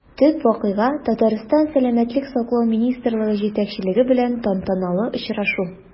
Төп вакыйга – Татарстан сәламәтлек саклау министрлыгы җитәкчелеге белән тантаналы очрашу.